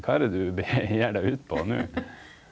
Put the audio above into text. kva er det du gir deg ut på no?